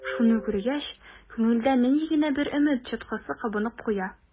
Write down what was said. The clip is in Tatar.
Шуны күргәч, күңелдә нәни генә бер өмет чаткысы кабынып куя.